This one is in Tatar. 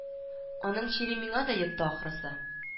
Аның чире миңа да йокты ахрысы